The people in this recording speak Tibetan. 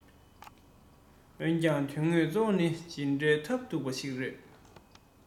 འོན ཀྱང དོན དངོས འཚོ བ ནི ཇི འདྲའི ཐབས སྡུག པ ཞིག རེད